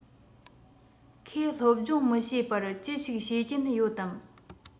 ཁོས སློབ སྦྱོང མི བྱེད པར ཅི ཞིག བྱེད ཀྱིན ཡོད དམ